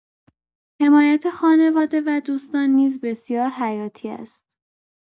حمایت خانواده و دوستان نیز بسیار حیاتی است.